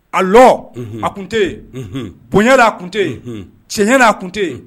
A lɔ unhun a kun te ye unhun boɲɛ la a kun te ye unhun cɛɲɛ na a kun te ye